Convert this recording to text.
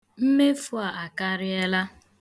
Mmefu a akarịala.